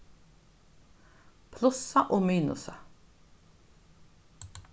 plussa og minusa